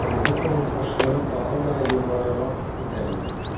Поляницаның кашлары тагы да югарырак күтәрелде.